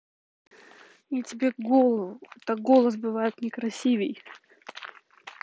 я тебе голову это голос бывает не красивей